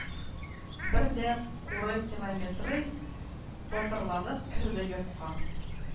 Бер дә курыкилометрый, батырланып керде йортка